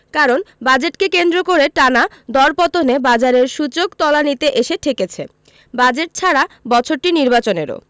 কারণ বাজেটকে কেন্দ্র করে টানা দরপতনে বাজারের সূচক তলানিতে এসে ঠেকেছে বাজেট ছাড়া বছরটি নির্বাচনেরও